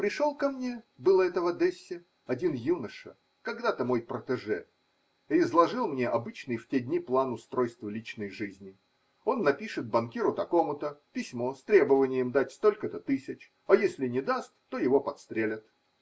пришел ко мне (было это в Одессе) один юноша, когда-то мой протеже, и изложил мне обычный в те дни план устройства личной жизни: он напишет банкиру такому-то письмо с требованием дать столько-то тысяч, а если не даст, то его подстрелят.